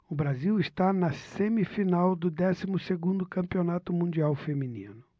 o brasil está na semifinal do décimo segundo campeonato mundial feminino